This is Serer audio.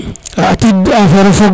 a atiid affaire o fog